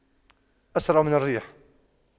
أسرع من الريح